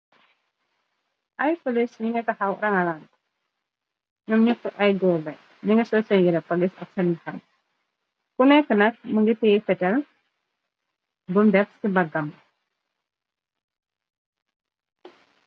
Ay polis ñi netaxaw rangalaan ñoom nup ay gorvey ñangi sosen yira pagis ak seenbixaw kune ka nak mëngi te fetal bumdeps ci baggam.